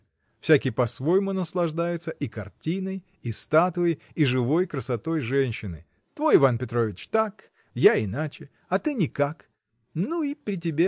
Всякий по-своему наслаждается и картиной, и статуей, и живой красотой женщины: твой Иван Петрович так, я иначе, а ты никак, — ну, и при тебе!